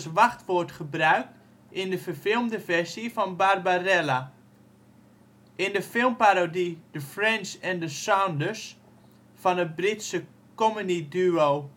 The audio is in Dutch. wachtwoord gebruikt in de verfilmde versie van Barbarella. In de filmparodie The French And The Saunders van het Britse comedy-duo